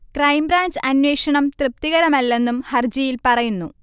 crime branch അന്വേഷണം തൃ്പതികരമല്ലെന്നും ഹർജിയിൽ പറയുന്നു